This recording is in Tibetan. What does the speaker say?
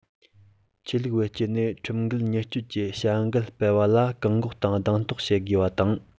ཆོས ལུགས བེད སྤྱད ནས ཁྲིམས འགལ ཉེས སྤྱོད ཀྱི བྱ འགུལ སྤེལ བ ལ བཀག འགོག དང རྡུང རྡེག བྱེད དགོས པ དང